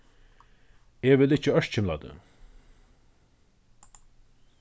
eg vil ikki ørkymla teg